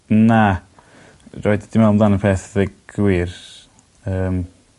Na. Rioed 'di meddwl am dan y peth deu' gir. Yym.